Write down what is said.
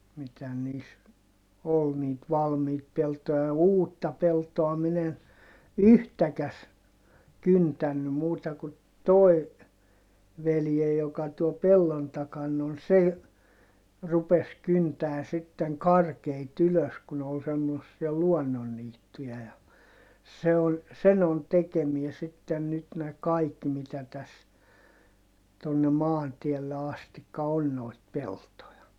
mitä niissä oli niitä valmiita peltoja ja uutta peltoa minä en yhtäkään kyntänyt muuta kuin tuo veljeni joka tuolla pellon takana on se - rupesi kyntämään sitten karkeita ylös kun ne oli semmoisia luonnonniittyjä ja se on sen on tekemää sitten nyt nämä kaikki mitä tässä tuonne maantielle asti on noita peltoja